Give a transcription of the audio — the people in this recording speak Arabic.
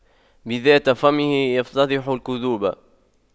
بذات فمه يفتضح الكذوب